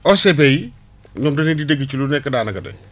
OCB yi ñoom dañu leen di dégg ci lu nekk daanaka de